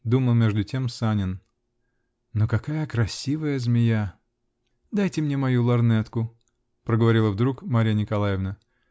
-- думал между тем Санин, -- но какая красивая змея!" -- Дайте мне мою лорнетку, -- проговорила вдруг Марья Николаевна.